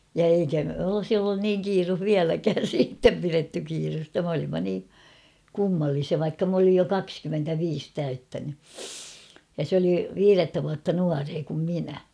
ja eikä olisi ollut niin kiire vieläkään sitten pidetty kiirettä' me olimme niin kummallisia vaikka minä olin jo kaksikymmentäviisi täyttänyt ja se oli viidettä vuotta nuorempi kuin minä